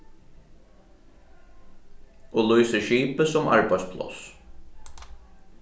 og lýsir skipið sum arbeiðspláss